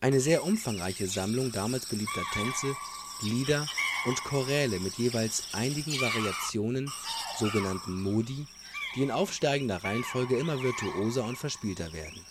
eine sehr umfangreiche Sammlung damals beliebter Tänze, Lieder und Choräle mit jeweils einigen Variationen, so genannten „ Modi “, die in aufsteigender Reihenfolge immer virtuoser und verspielter werden